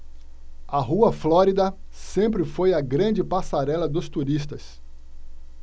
a rua florida sempre foi a grande passarela dos turistas